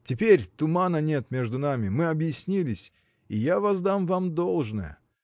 Теперь тумана нет между нами, мы объяснились — и я воздам вам должное.